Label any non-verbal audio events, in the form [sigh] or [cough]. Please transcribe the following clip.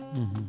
[hesitation] [hesitation]